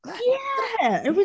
Yeah.